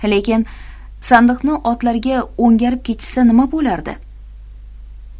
lekin sandiqni otlariga o'ngarib ketishsa nima bo'lardi